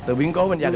từ biến cố bên gia đình